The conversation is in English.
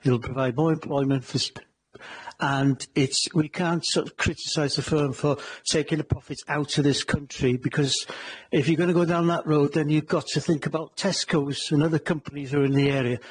It'll provide more employment for st-... And it's- we can't sort of criticise the firm for taking the profits out of this country because if you're going to go down that road then you've got to think about Tescos and other companies that are in the area.